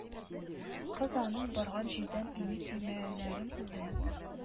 Кыз аның барган җирдән ими төймәләрен үбә